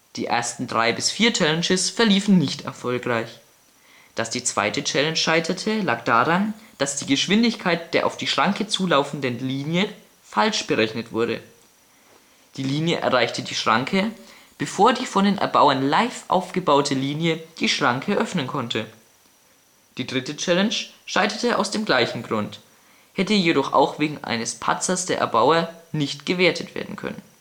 Die ersten drei der vier Challenges verliefen nicht erfolgreich. Dass die zweite Challenge scheiterte lag daran, dass die Geschwindigkeit der auf die Schranke zulaufenden Linie falsch berechnet wurde: Die Linie erreichte die Schranke, bevor die von den Erbauern live aufgebaute Linie die Schranke öffnen konnte. Die dritte Challenge scheiterte aus dem gleichen Grund, hätte jedoch auch wegen eines Patzers der Erbauer nicht gewertet werden können